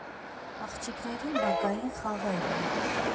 Աղջիկների բակային խաղերը։